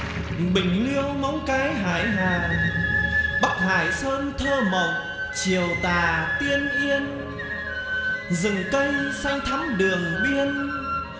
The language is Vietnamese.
bình liêu móng cái hải hà bắc hải sơn thơ mộng chiều tà tiên yên rừng cây xanh thắm đường biên